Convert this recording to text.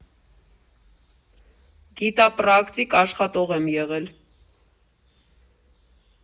Գիտապրակտիկ աշխատող եմ եղել։